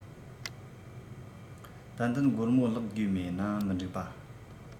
ཏན ཏན སྒོར མོ བརླག དགོས མེད ན མི འགྲིག པ